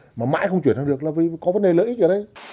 mà mãi không chuyển sang được là vì có vấn đề lợi ích ở đây